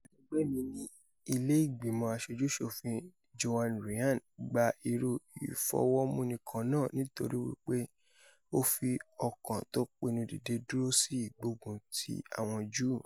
Akẹgbẹ́ mi ní ilé ìgbìmọ aṣojú-ṣòfin Joan Ryan gba irú ìfọwọ́múni kan náà nítorípe o fi ọkàn tó pinnu díde dúró sí ìgbógun ti àwọn Júù.